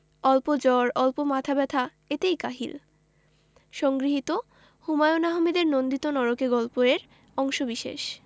অল্প জ্বর অল্প মাথা ব্যাথা এতেই কাহিল সংগৃহীত হুমায়ুন আহমেদের নন্দিত নরকে গল্প এর অংশবিশেষ